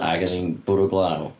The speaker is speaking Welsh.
Ac oedd hi'n bwrw glaw.